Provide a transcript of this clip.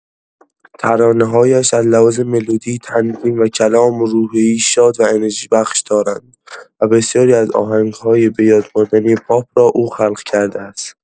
ترانه‌هایش از لحاظ ملودی، تنظیم و کلام، روحیه‌ای شاد و انرژی‌بخش دارند و بسیاری از آهنگ‌های بۀادماندنی پاپ را او خلق کرده است.